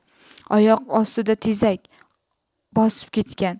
oyoq ostini tezak bosib ketgan